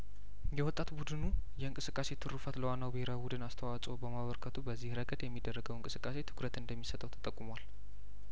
የወጣት ቡድኑ የእንቅስቃሴ ትሩፋት ለዋናው ብሄራዊ ቡድን አስተዋጽኦ በማበርከቱ በዚህ ረገድ የሚደረገው እንቅስቃሴ ትኩረት እንደሚሰጠው ተጠቁሟል